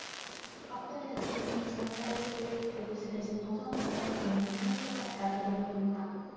박근혜 대통령이 지난달 칠 일 대구시 대신동 서문시장을 방문해 상인들과 대화를 나누고 있다